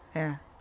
Ia.